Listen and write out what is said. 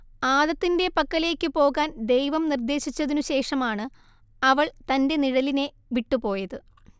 ആദത്തിന്റെ പക്കലേയ്ക്കു പോകാൻ ദൈവം നിർദ്ദേശിച്ചതിനു ശേഷമാണ്‌ അവൾ തന്റെ നിഴലിനെ വിട്ടുപോയത്